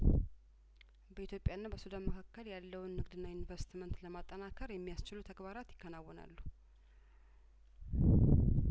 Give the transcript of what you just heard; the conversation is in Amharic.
በኢትዮጵያ ና በሱዳን መካከል ያለውን ንግድና ኢንቨስትመንት ለማጠናከር የሚያስችሉ ተግባራት ይከናወናሉ